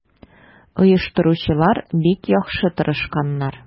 Оештыручылар бик яхшы тырышканнар.